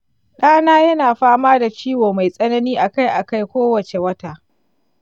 ɗana yana fama da ciwo mai tsanani akai-akai kowace wata.